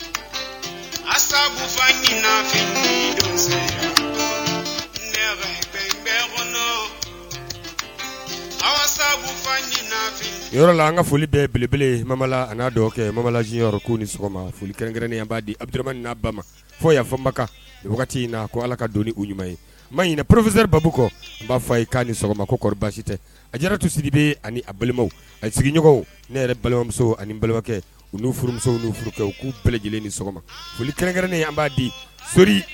Ka foli bɛɛ belebele na sɔgɔma kɛrɛnkɛrɛn b'a di adu ba fɔ y aaba wagati in na ko ala ka don u ɲuman ye ma poropze babu kɔ n b'a fɔ ye ka ni sɔgɔma ko basi tɛ a diyara tu siri bɛ ani balimaw a sigiɲɔgɔnw ne yɛrɛ balimamuso ani balimabakɛ u furumuso furuw k'u bɛɛlɛ lajɛlen ni sɔgɔma kɛrɛnkɛrɛnnen an ba di